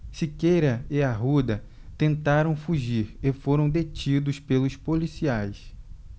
siqueira e arruda tentaram fugir e foram detidos pelos policiais